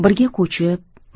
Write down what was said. birga ko'chib